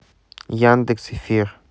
яндекс эфир